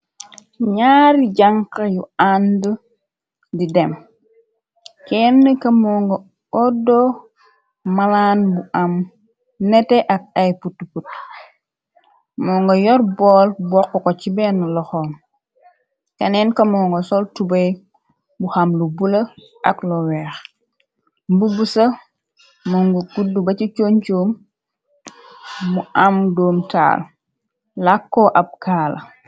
Ñaari jànqa yu ànd di dem kenn ka mo nga oddo malaan bu am nete ak ay put put moo nga yor bool bokk ko ci benn loxoon keneen ka mo nga sol tubey bu xam lu bula ak loweex mbubb sa mo ngu gudd ba ci concoom bu am doom taal làkkoo ab kaala.